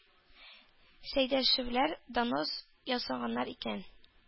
Сәйдәшевләр донос ясаганнар икән,